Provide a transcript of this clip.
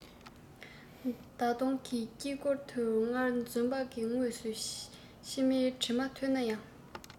ཟླ གདོང གི དཀྱིལ འཁོར དུ སྔར འཛུམ བག གི ངོས སུ མིག ཆུའི དྲི མ འཐུལ ན ཡང